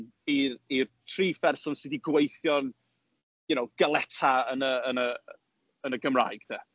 I'r i'r tri pherson sy' di gweithio'n, you know, galeta yn y yn y yn y Gymraeg, de.